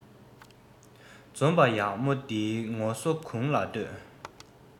འཛོམས པ ཡག མོ འདིའི ངོ སོ དགུང ལ བསྟོད